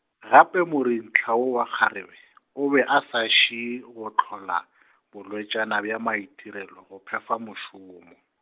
gape morentha woo wa kgarebe , o be a sa šie go hlola, bolwetšana bja maitirelo go phefa mošomo.